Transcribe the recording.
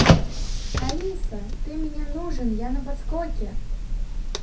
алиса ты меня нужен я на подскоке